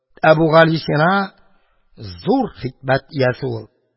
Әбүгалисина — зур хикмәт иясе ул.